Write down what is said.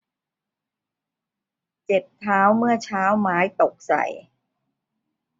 เจ็บเท้าเมื่อเช้าไม้ตกใส่